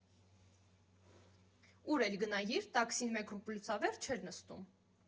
Ուր էլ գնայիր, տաքսին մի ռուբլուց ավել չէր նստում։